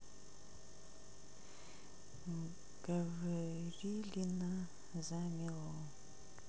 gavrilina замело